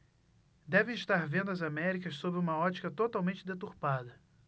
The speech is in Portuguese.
devem estar vendo as américas sob uma ótica totalmente deturpada